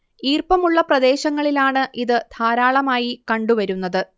ഈർപ്പമുള്ള പ്രദേശങ്ങളിലാണ് ഇത് ധാരാളമായി കണ്ടുവരുന്നത്